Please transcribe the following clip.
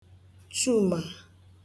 Chumà